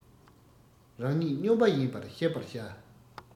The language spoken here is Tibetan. རང ཉིད སྨྱོན པ ཡིན པར ཤེས པར བྱ